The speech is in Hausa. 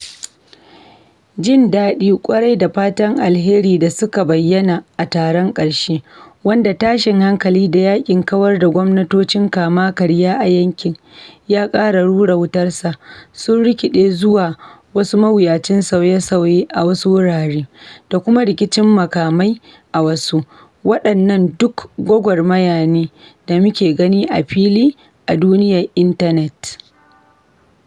Jin daɗin ƙwarai da fatan alheri da suka bayyana a taron ƙarshe — wanda tashin hankalin da yaƙin kawar da gwamnatocin kama-karya a yankin ya ƙara rura wutarsa — sun rikide zuwa wasu mawuyacin sauye-sauye a wasu wurare, da kuma rikicin makamai a wasu. Waɗannan duk gwagwarmayar ne da muke gani a fili a duniyar intanet.